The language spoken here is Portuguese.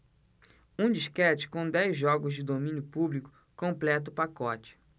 um disquete com dez jogos de domínio público completa o pacote